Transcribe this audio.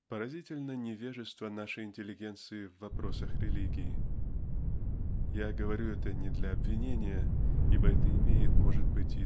Поразительно невежество нашей интеллигенции в вопросах религии. Я говорю это не для обвинения ибо это имеет может быть